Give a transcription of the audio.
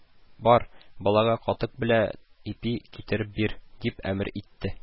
Бар, балага катык белә ипи китереп бир", – дип әмер итте